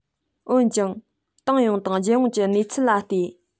འོན ཀྱང ཏང ཡོངས དང རྒྱལ ཡོངས ཀྱི གནས ཚུལ ལ བལྟས